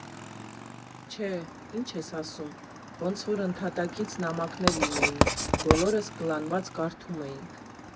Չէ՜, ի՞նչ ես ասում, ոնց որ ընդհատակից նամակներ լինեին, բոլորս կլանված կարդում էինք։